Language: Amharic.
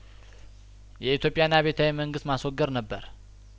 የኢትዮጵያን አብዮታዊ መንግስት ማስወገድ ነበር